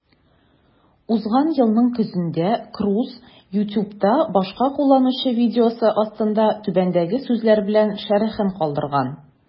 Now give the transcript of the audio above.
Узган елның көзендә Круз YouTube'та башка кулланучы видеосы астында түбәндәге сүзләр белән шәрехен калдырган: